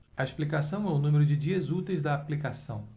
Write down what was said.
a explicação é o número de dias úteis da aplicação